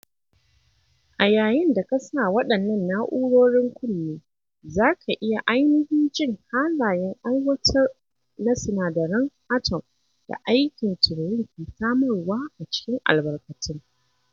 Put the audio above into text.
A yayin da ka sa waɗannan na’urorin kunne, za ka iya ainihin jin halayen aiwatar na sinadaran atom da aikin tururin ke samarwa a cikin albarkatun.”